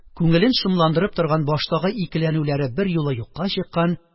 Күңелен шомландырып торган баштагы икеләнүләре берьюлы юкка чыккан